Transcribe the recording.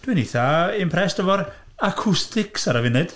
Dwi'n eitha impressed efo'r acoustics ar y funud.